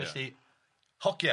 Felly, hogia.